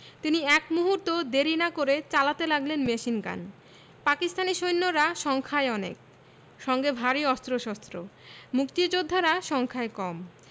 তিনি এক মুহূর্তও দেরি না করে চালাতে লাগলেন মেশিনগান পাকিস্তানি সৈন্যরা সংখ্যায় অনেক সঙ্গে ভারী অস্ত্রশস্ত্র মুক্তিযোদ্ধারা সংখ্যায় কম